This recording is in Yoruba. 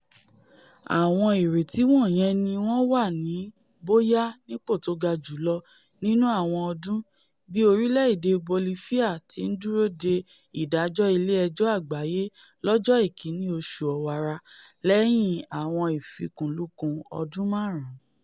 Àwọn ìrètí wọ̀nyẹn ní wọ́n wà ní bóyá nípò tóga jùlọ nínú àwọn ọdún, bí orílẹ̀-èdè Bolifia ti ńdúró dé ìdájọ́ ilé ẹjọ́ àgbáyé lọ́jọ́ ìkínní oṣù Ọ̀wàrà lẹ́yìn àwọn ìfikùnlukùn ọdún máàrún.